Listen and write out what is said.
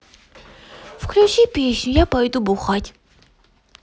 включи песню я буду бухать